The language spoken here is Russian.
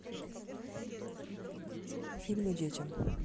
фильмы детям